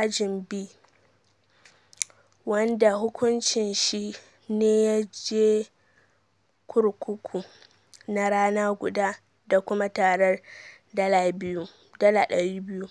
Ajin B, wanda hukunci shi ne ya je kurkuku na rana guda da kuma tarar $2,000.